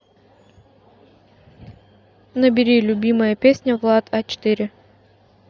набери любимая песня влад а четыре